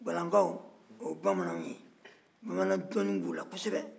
guwalankaw o ye bamananw ye bamanandɔni b'u la kosɛbɛ